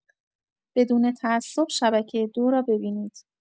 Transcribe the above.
بدون تعصب شبکه ۲ رو ببینید.